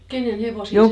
Kenen hevosia